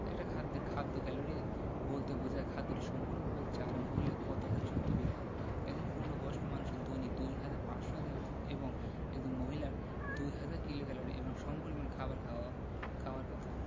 একটা খাদ্যের খাদ্য ক্যালোরি বলতে বোঝায় খাদ্যটি সম্পূর্ণভাবে জারণ হলে কতখানি শক্তি বের হবে একজন পূর্ণবয়স্ক মানুষের দৈনিক ২৫০০ এবং একজন মহিলার ২০০০ কিলোক্যালরি এর সমপরিমান খাবার খাওয়ার কথা